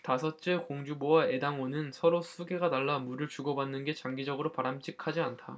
다섯째 공주보와 예당호는 서로 수계가 달라 물을 주고받는 게 장기적으로 바람직하지 않다